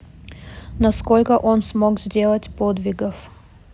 на сколько он смог сделать подвигов